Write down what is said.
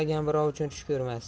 birov uchun tush ko'rmas